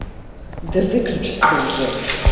да выключись ты уже